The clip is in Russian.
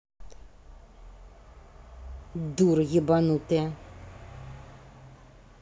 дура ебнутая